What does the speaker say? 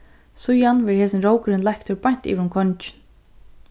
síðan verður hesin rókurin leiktur beint yvir um kongin